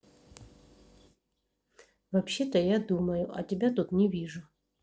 вообще то я думаю а тебя тут не вижу